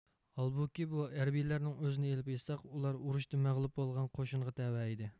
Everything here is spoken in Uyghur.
ھالبۇكى بۇ ھەربىيلەرنىڭ ئۆزىنى ئېلىپ ئېيتساق ئۇلار ئۇرۇشتا مەغلۇپ بولغان قوشۇنغا تەۋە ئىدى